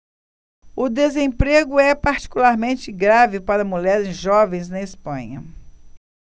o desemprego é particularmente grave para mulheres jovens na espanha